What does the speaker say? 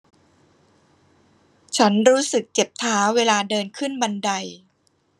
ฉันรู้สึกเจ็บเท้าเวลาเดินขึ้นบันได